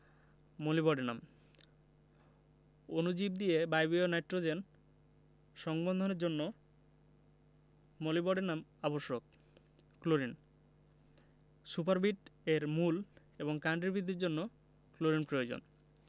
molybdenum অণুজীব দিয়ে বায়বীয় নাইট্রোজেন সংবন্ধনের জন্য মোলিবডেনাম আবশ্যক ক্লোরিন সুপারবিট এর মূল এবং কাণ্ডের বৃদ্ধির জন্য ক্লোরিন প্রয়োজন